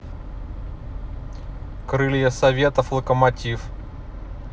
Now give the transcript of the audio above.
крылья советов локомотив